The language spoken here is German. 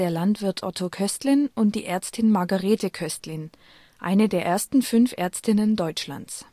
Landwirts Otto Köstlin und der Ärztin Margarete Köstlin (eine der fünf ersten Ärztinnen Deutschlands